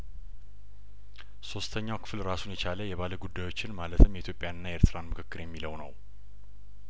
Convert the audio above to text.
ሶስተኛው ክፍል ራሱን የቻለየባለጉዳዮችን ማለትም የኢትዮጵያንና የኤርትራን ምክክር የሚለው ነው